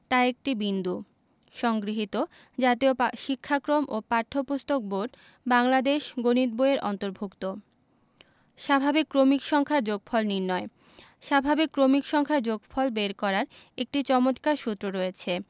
তা একটি বিন্দু সংগৃহীত জাতীয় শিক্ষাক্রম ও পাঠ্যপুস্তক বোর্ড বাংলাদেশ গণিত বই-এর অন্তর্ভুক্ত স্বাভাবিক ক্রমিক সংখ্যার যোগফল নির্ণয় স্বাভাবিক ক্রমিক সংখ্যার যোগফল বের করার একটি চমৎকার সূত্র রয়েছে